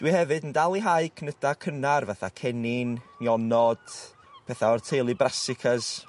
Dwi hefyd yn dal i hau cnyda cynnar fatha cennin nionod petha o'r teulu brasicas